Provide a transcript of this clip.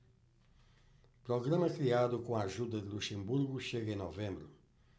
programa criado com a ajuda de luxemburgo chega em novembro